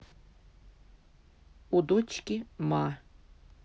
у дочки ма